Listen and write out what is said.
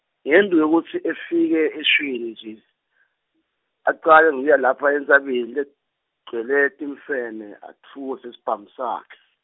Ngembikwekutsi efike eShweni nje , acale ngekuya lapha entsabeni legcwele timfene, atfukuse lesibhamu sakhe.